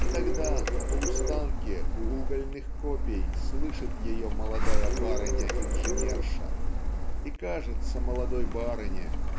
и тогда на полустанке у угольных копей слышит ее молодая барыня-инженерша и кажется молодой барыне